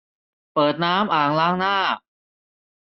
เปิดน้ำอ่างล้างหน้า